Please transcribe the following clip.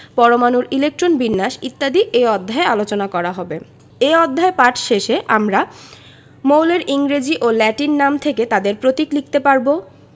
পরমাণুর ইলেকট্রন বিন্যাস ইত্যাদি এ অধ্যায়ে আলোচনা করা হবে ⦁ মৌলের ইংরেজি ও ল্যাটিন নাম থেকে তাদের প্রতীক লিখতে পারব